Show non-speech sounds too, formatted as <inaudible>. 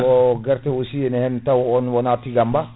<hesitation> guerte aussi ene hen taw on wona piyamba